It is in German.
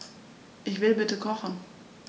Ich will bitte kochen.